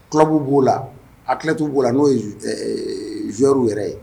Kubuw b'o la a tila' b'o la n'o ye zoriw yɛrɛ ye